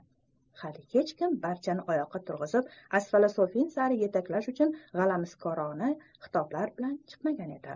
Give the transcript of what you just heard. hali hech kim barchani oyoqqa turg'izib asfalasofilin sari yetaklash uchun g'alamiskorona xitoblar bilan chiqmagan edi